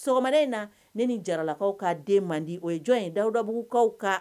Sɔgɔmaden in na ne ni jaralakaw ka den man di o ye jɔn ye dawu dabugukaw kan